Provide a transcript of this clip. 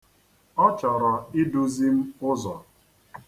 Ọ chọrọ iduzi m ụzọ.